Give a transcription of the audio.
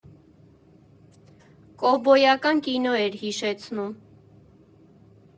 Կովբոյական կինո էր հիշեցնում.